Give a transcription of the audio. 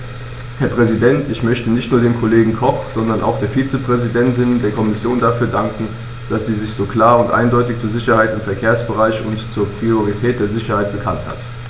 Herr Präsident, ich möchte nicht nur dem Kollegen Koch, sondern auch der Vizepräsidentin der Kommission dafür danken, dass sie sich so klar und eindeutig zur Sicherheit im Verkehrsbereich und zur Priorität der Sicherheit bekannt hat.